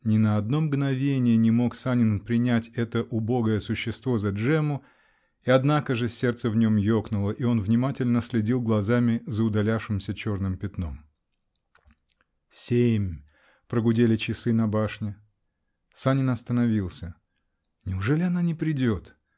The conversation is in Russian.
Ни на одно мгновение не мог Санин принять это убогое существо за Джемму -- и, однако же, сердце в нем екнуло, и он внимательно следил глазами за удалявшимся черным пятном. Семь! прогудели часы на башне. Санин остановился. Неужели она не придет?